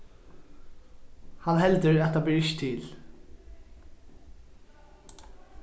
hann heldur at tað ber ikki til